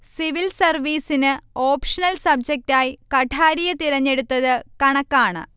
civil സർവീസിന് optional സബ്ജറ്റായി കഠാരിയ തിരഞ്ഞെടുത്തത് കണക്കാണ്